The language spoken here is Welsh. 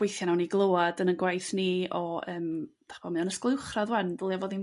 Weithia' nawn ni glywad yn 'yn gwaith ni o yrm 'dach ch'bo' mewn ysgol uwchradd rwan dylia fod ni'n